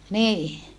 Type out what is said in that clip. niin